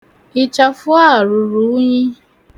Ịchafụ a ruru unyi.